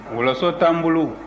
wɔlɔsɔ t'an bolo